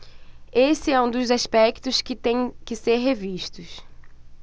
esse é um dos aspectos que têm que ser revistos